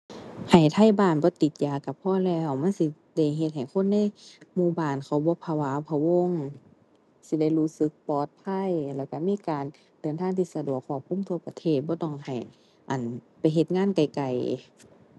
ให้ไทบ้านบ่ติดยาก็พอแล้ว มันสิได้เฮ็ดให้คนในหมู่บ้านเขาบ่ผวาพะวง สิได้รู้สึกปลอดภัย แล้วก็มีการเดินทางที่สะดวกครอบคลุมทั่วประเทศ บ่ต้องให้ อั่น ไปเฮ็ดงานไกลไกล